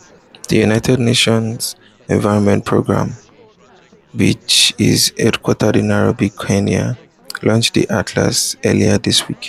The United Nations Environment Program, which is headquartered in Nairobi, Kenya launched the atlas earlier this week.